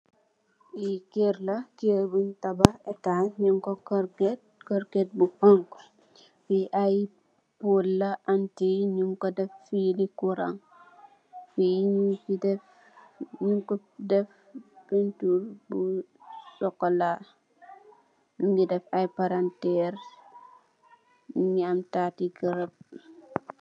Li kër la, kër bun tabah etasan, nung ko corket, corket bu honku. Fi ay pool la anten nung ko deff fili kuran. Fi nung ko deff penturr bu sokola nungi def ay palanteer nungi am taati garab.